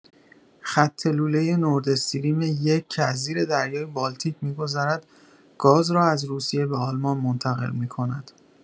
خط لوله نورد استریم یک که از زیر دریای بالتیک می‌گذرد گاز را از روسیه به آلمان منتقل می‌کند.